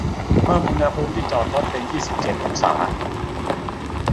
เพิ่มอุณหภูมิที่จอดรถเป็นยี่สิบเจ็ดองศา